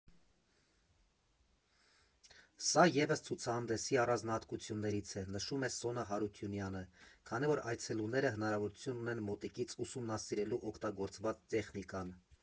Սա ևս ցուցահանդեսի առանձնահատկություններից է, նշում է Սոնա Հարությունյանը, քանի որ այցելուները հնարավորություն ունեն մոտիկից ուսումնասիրելու օգտագործված տեխնիկան։